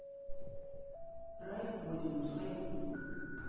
райд подиум с хайди клум